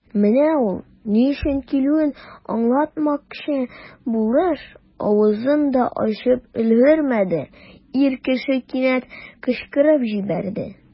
Менә ул, ни өчен килүен аңлатмакчы булыш, авызын да ачып өлгермәде, ир кеше кинәт кычкырып җибәрде.